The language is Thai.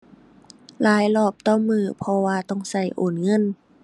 หลายรอบต่อมื้อ เพราะว่าต้องใช้โอนเงิน